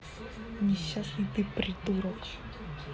несчастный ты придурок